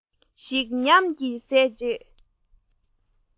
ཞིམ ཉམས ཀྱིས བཟས རྗེས